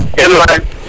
som waay